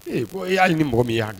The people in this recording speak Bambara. Ee ko e halini mɔgɔ min y'a